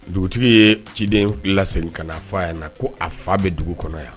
Dugutigi ye ciden la in ka na fɔ a yan na ko a fa bɛ dugu kɔnɔ yan